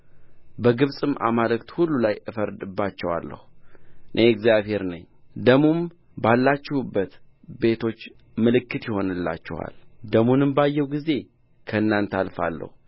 በግብፅም አማልክት ሁሉ ላይ እፈርድባቸዋለሁ እኔ እግዚአብሔር ነኝ ደሙም ባላችሁበት ቤቶች ምልክት ይሆንላችኋል ደሙንም ባየሁ ጊዜ ከእናንተ አልፋለሁ